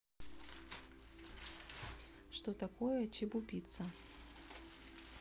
что такое чебупицца